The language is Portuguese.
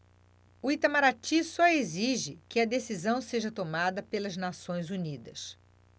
o itamaraty só exige que a decisão seja tomada pelas nações unidas